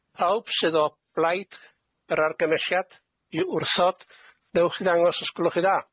Pawb sydd o blaid yr argymelliad i wrthod newch chi ddangos os gwelwch hi'n dda.